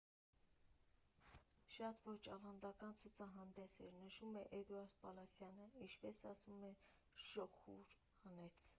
Շատ ոչ ավանդական ցուցահանդես էր, ֊ նշում է Էդուարդ Պալասանյանը, ֊ ինչպես ասում են՝ շուխուր հանեց։